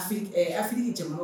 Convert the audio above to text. A a hakili jama